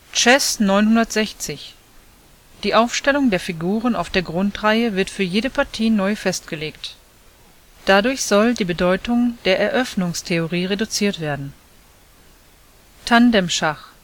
Chess960: die Aufstellung der Figuren auf der Grundreihe wird für jede Partie neu festgelegt. Dadurch soll die Bedeutung der Eröffnungstheorie reduziert werden. Tandemschach